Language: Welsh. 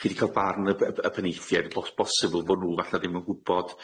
chi 'di ca'l barn y b- b- y penaethiaid, bos- bosibl bo' nw falle ddim yn gwbod